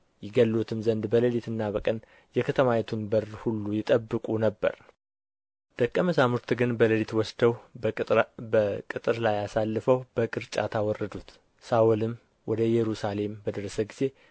ይገድሉትም ዘንድ በሌሊትና በቀን የከተማይቱን በር ሁሉ ይጠቀብቁ ነበር ደቀ መዛሙርት ግን በሌሊት ወስደው በቅጥር ላይ አሳልፈው በቅርጫት አወረዱት ሳውልም ወደ ኢየሩሳሌም በደረሰ ጊዜ